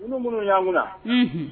Unuumunu y'anmu